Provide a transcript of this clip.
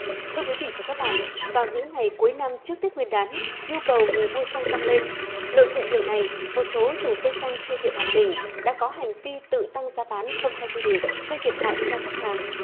thưa quý vị và các bạn vào những ngày cuối năm trước tết nguyên đán nhu cầu người mua xăng tăng lên lợi dụng điều này một số chủ cây xăng trên địa bàn tỉnh đã có hành vi tự tăng giá bán không theo quy định gây thiệt hại cho khách hàng